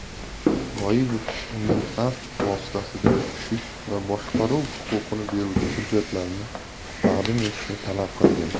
g'oibov undan transport vositasidan tushish va boshqaruv huquqini beruvchi hujjatlarni taqdim etishni talab qilgan